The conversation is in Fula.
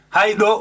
hayɗo